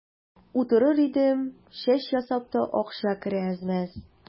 Утырыр идем, чәч ясап та акча керә әз-мәз.